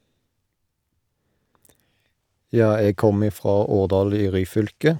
Ja, jeg kommer ifra Årdal i Ryfylke.